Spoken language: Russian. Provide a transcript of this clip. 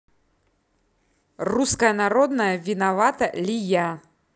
русская народная виновата ли я